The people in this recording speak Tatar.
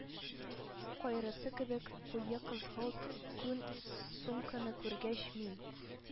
Кайрысы кебек куе кызгылт күн сумканы күргәч, мин